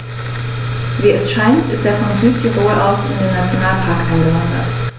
Wie es scheint, ist er von Südtirol aus in den Nationalpark eingewandert.